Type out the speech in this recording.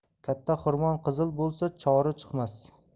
katta xirmon qizil bo'lsa chori chiqmas